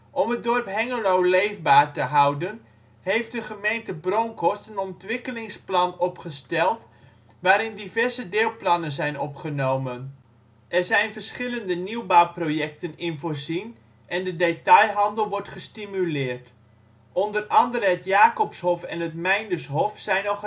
Om het dorp Hengelo leefbaar te houden heeft de gemeente Bronckhorst een ontwikkelingsplan opgesteld waarin diverse deelplannen zijn opgenomen. Er zijn verschillende nieuwbouwprojecten in voorzien en de detailhandel wordt gestimuleerd. Onder andere het Jacobshof en het Meindershof zijn al